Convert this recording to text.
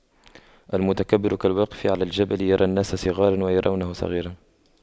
المتكبر كالواقف على الجبل يرى الناس صغاراً ويرونه صغيراً